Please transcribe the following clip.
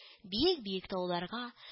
Биек-биек тауларга